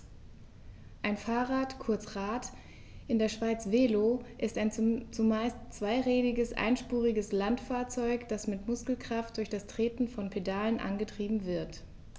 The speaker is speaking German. Ein Fahrrad, kurz Rad, in der Schweiz Velo, ist ein zumeist zweirädriges einspuriges Landfahrzeug, das mit Muskelkraft durch das Treten von Pedalen angetrieben wird.